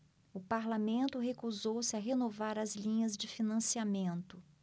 o parlamento recusou-se a renovar as linhas de financiamento